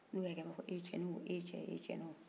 n'u y'a ye kɛ u ba fɔ eh cɛnin o eh cɛ eh cɛnin o